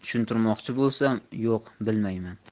tushuntirmoqchi bo'lsam yo'q bilmayman